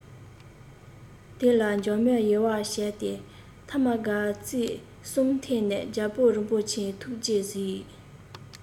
དེ ལ འཇག མས ཡུ བ བྱས ཏེ ཐ མ སྒམ ཙིག གསུམ འཐེན ནས རྒྱལ པོ རིན པོ ཆེ ཐུགས རྗེས གཟིགས